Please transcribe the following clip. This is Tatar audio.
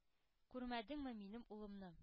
Күрмәдеңме минем улымны?